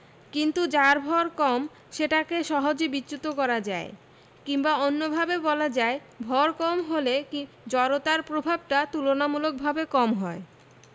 কিন্তু যার ভয় কম সেটাকে সহজে বিচ্যুত করা যায় কিংবা অন্যভাবে বলা যায় ভর কম হলে জড়তার প্রভাবটা তুলনামূলকভাবে কম হয়